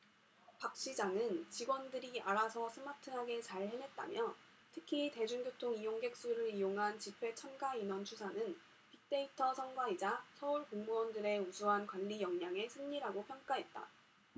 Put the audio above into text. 박 시장은 직원들이 알아서 스마트하게 잘 해냈다며 특히 대중교통 이용객 수를 이용한 집회 참가 인원 추산은 빅데이터 성과이자 서울 공무원들의 우수한 관리역량의 승리라고 평가했다